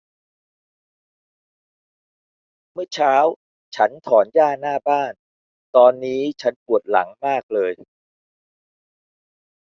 เมื่อเช้าฉันถอนหญ้าหน้าบ้านตอนนี้ฉันปวดหลังมากเลย